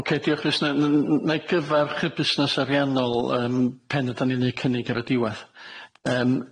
Ok diolch Rhys n- n- n- n- nai gyfarch y busnes ariannol yym pan ydan ni'n neud cynnig ar y diwedd, yym,